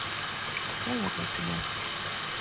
кто я для тебя